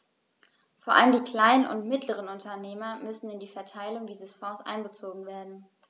Vor allem die kleinen und mittleren Unternehmer müssen in die Verteilung dieser Fonds einbezogen werden.